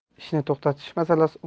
ishni to'tatish masalasi